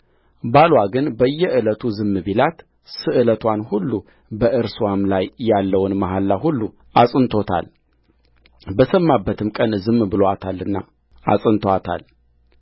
ባልዋ ግን በየዕለቱ ዝም ቢላት ስእለትዋን ሁሉ በእርስዋም ላይ ያለውን መሐላ ሁሉ አጽንቶታል በሰማበት ቀን ዝም ብሎአታልና አጽንቶታል